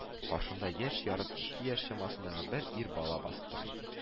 Каршымда яшь ярым-ике яшь чамасындагы бер ир бала басып тора иде